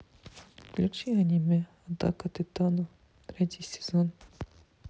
включи аниме атака титанов третий сезон